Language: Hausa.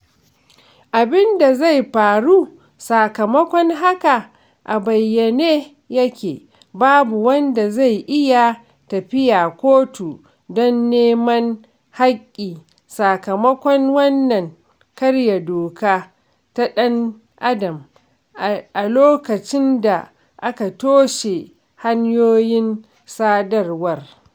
Abin da zai faru sakamakon haka a bayyane yake - babu wanda zai iya tafiya kotu don neman haƙƙi sakamakon wannan karya doka ta ɗan adam a lokacin da aka toshe hanyoyin sadarwar.